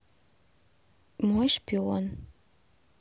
мой шпион